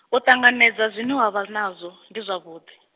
u ṱanganedza zwine wavha nazwo, ndi zwavhuḓi.